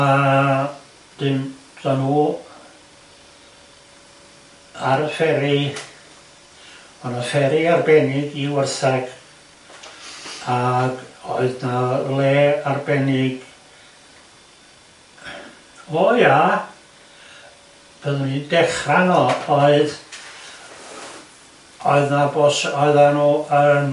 A 'dyn dod a n'w ar y fferi o 'na fferi arbennig i Werthag ag o'dd 'na le arbennig... O ia... pan oni'n dechra 'na oedd oedd 'na oedda n'w yn